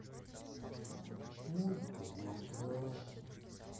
музыка для утра